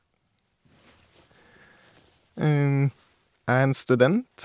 Jeg er en student.